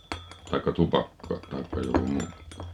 tai tupakka tai joku muu